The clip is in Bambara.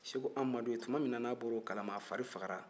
seko amadu ye tumaminna n'a bɔr'o kalama a fari fagara